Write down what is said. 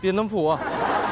tiền âm phủ à